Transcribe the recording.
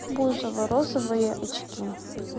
бузова розовые очки